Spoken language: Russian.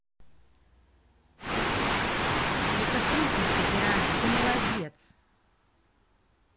это круто что ты рада ты молодец